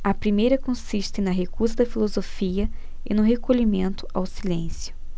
a primeira consiste na recusa da filosofia e no recolhimento ao silêncio